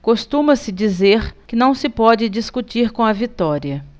costuma-se dizer que não se pode discutir com a vitória